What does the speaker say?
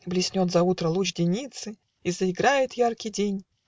Блеснет заутра луч денницы И заиграет яркий день